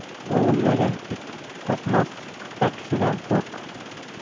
vovvulagan it qopmas hippakisidan qo'rq